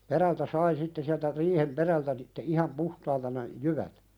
perältä sai sitten sieltä riihen perältä sitten ihan puhtaita ne jyvät